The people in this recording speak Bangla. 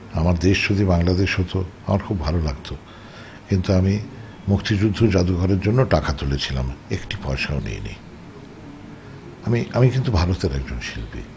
আমার দেশ যদি বাংলাদেশ হতো আমার খুব ভালো লাগত কিন্তু আমি মুক্তিযুদ্ধ জাদুঘরের জন্য টাকা তুলেছিলাম একটি পয়সাও নেই নি আমি কিন্তু ভারতের একজন শিল্পী